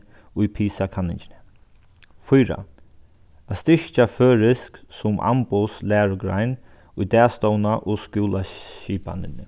í pisa-kanningini fýra at styrkja føroysk sum amboðslærugrein í dagstovna- og skúlaskipanini